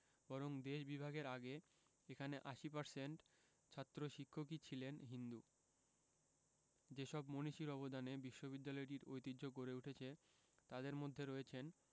বরং দেশ বিভাগের আগে এখানে ৮০% ছাত্র শিক্ষকই ছিলেন হিন্দু যেসব মনীষীর অবদানে বিশ্ববিদ্যালয়টির ঐতিহ্য গড়ে উঠেছে তাঁদের মধ্যে রয়েছেন